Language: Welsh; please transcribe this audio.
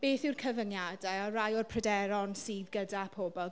Beth yw'r cyfyngiadau? A rai o'r pryderon sydd gyda pobl.